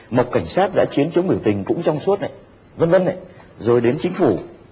một cảnh sát đã chiến chống biểu tình cũng trong suốt này vân vân này rồi đến chính phủ